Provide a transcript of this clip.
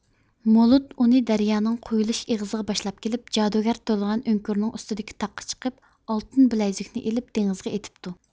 مولۇد ئۇنى دەريانىڭ قۇيۇلۇش ئېغىزىغا باشلاپ كېلىپ جادۇگەر تۇرىدىغان ئۆڭكۈرنىڭ ئۈستىدىكى تاغقا چىقىپ ئالتۇن بىلەيزۈكىنى ئېلىپ دېڭىزغا ئېتىپتۇ